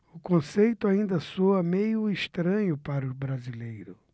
o conceito ainda soa meio estranho para o brasileiro